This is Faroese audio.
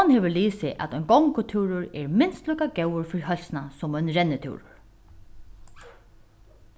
hon hevur lisið at ein gongutúrur er minst líka góður fyri heilsuna sum ein rennitúrur